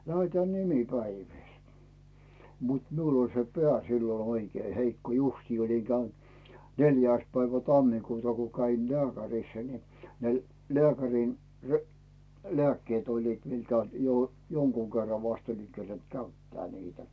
lähdetään nimipäiville mutta minulla oli se pää silloin oikein heikko justiin olin käynyt neljäs päivä tammikuuta kun kävin lääkärissä niin ne lääkärin - lääkkeet olivat minkä - jonkun kerran vasta olin kerinnyt käyttää niitä